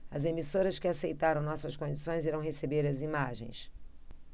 as emissoras que aceitaram nossas condições irão receber as imagens